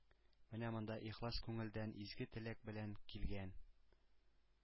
Менә монда ихлас күңелдән, изге теләк белән килгән